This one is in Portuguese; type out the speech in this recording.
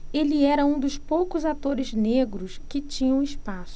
ele era um dos poucos atores negros que tinham espaço